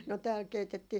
no täällä keitettiin